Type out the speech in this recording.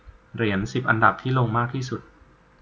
เหรียญสิบอันดับที่ลงมากที่สุด